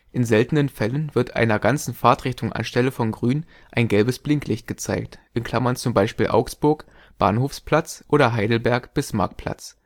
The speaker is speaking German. In seltenen Fällen wird einer ganzen Fahrtrichtung an Stelle von Grün ein gelbes Blinklicht gezeigt (z. B. Augsburg, Bahnhofsplatz, oder Heidelberg, Bismarckplatz